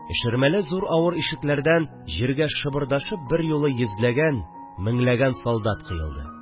Эшермәле зур авыр ишекләрдән җиргә шыбырдашып берьюлы йөзләгән, меңләгән солдат коелды